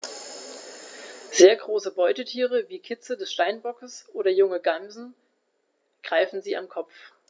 Sehr große Beutetiere wie Kitze des Steinbocks oder junge Gämsen greifen sie am Kopf.